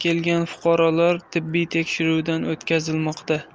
fuqarolar tibbiy tekshiruvdan o'tkazilmoqda